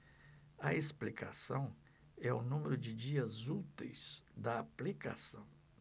a explicação é o número de dias úteis da aplicação